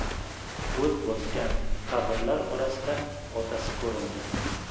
o't bosgan qabrlar orasida otasi ko'rindi